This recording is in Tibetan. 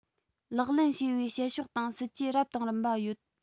ལག ལེན བྱས པའི བྱེད ཕྱོགས དང སྲིད ཇུས རབ དང རིམ པ ཡོད